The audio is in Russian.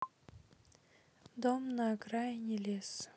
дом на окраине леса